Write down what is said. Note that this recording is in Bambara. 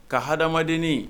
Ka hadamadennin